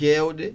kewɗe